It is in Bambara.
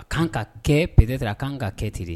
A k kanan ka kɛ p peereɛrɛr a k' kan ka kɛ ten